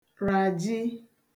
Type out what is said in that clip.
ràji